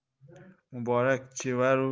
muborak chevaru